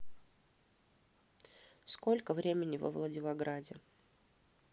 сколько времени во владивограде